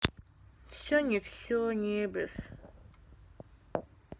все не все небес